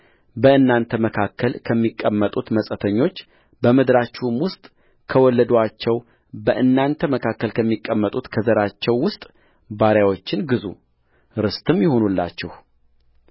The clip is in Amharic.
በእናንተ መካከል ከሚቀመጡት መጻተኞች በምድራችሁም ውስጥ ከወለዱአቸው በእናንተ መካከል ከሚቀመጡት ከዘራቸው ውስጥ ባሪያዎችን ግዙ ርስትም ይሁኑላችሁ